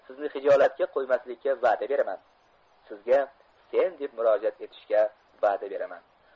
sizni xijolatga qo'ymaslikka vada beraman sizga sen deb murojaat etishga vada beraman